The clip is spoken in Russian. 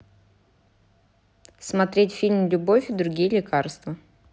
смотреть фильм любовь и другие лекарства